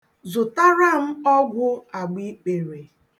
Zụtara m ọgwụ agbaikpere.